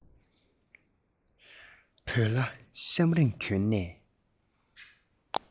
བོད ལྭ ཤམ རིང གྱོན ནས